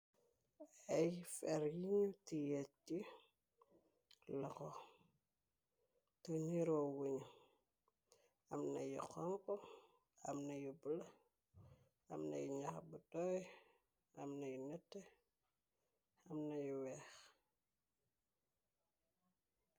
Ay fer yiñu tiyeet ci laxo te niroo wuñu amna yu xonko amna yu bola amnayu ñax bu tooy am nayu nete amnayu weex.